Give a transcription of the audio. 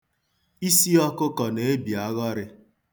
Isi ọkụkọ na-ebi aghọrị.